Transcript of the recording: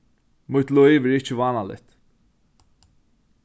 mítt lív er ikki vánaligt